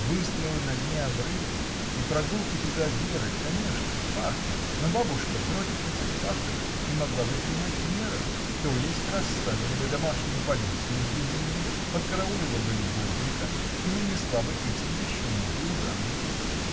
Выстрелы на дне обрыва и прогулки туда Веры, конечно, факты, но бабушка против этих фактов и могла бы принять меры, то есть расставила бы домашнюю полицию с дубинами, подкараулила бы любовника и нанесла бы этим еще новый удар Вере.